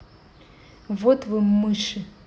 вот вы мышел